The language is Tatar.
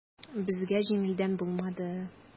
Безгә җиңелдән булмады.